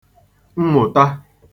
̀mmụ̀ta